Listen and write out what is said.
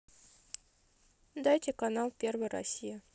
дайте канал первый россия